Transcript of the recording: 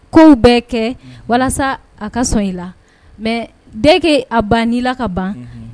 Kow bɛɛ kɛ walasa a ka sɔn i la mais dés que a ban n'i la ka ban